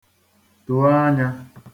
tò anya